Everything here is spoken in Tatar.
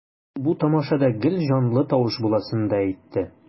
Ул бу тамашада гел җанлы тавыш буласын да әйтте.